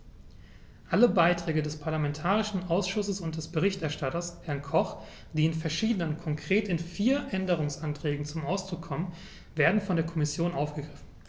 Alle Beiträge des parlamentarischen Ausschusses und des Berichterstatters, Herrn Koch, die in verschiedenen, konkret in vier, Änderungsanträgen zum Ausdruck kommen, werden von der Kommission aufgegriffen.